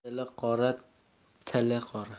dili qora till qora